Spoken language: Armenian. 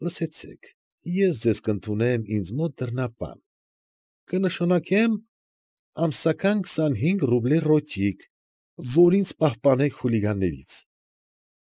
Լսեցեք, ես ձեզ կընդունեմ ինձ մոտ դռնապան… Կնշանակեմ ամսական քսանուհինգ ռուբլի ռոճիկ, որ ինձ պահպանեք խուլիգաններից։